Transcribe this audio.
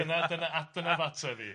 Dyna dyna a dyna f'ateb i.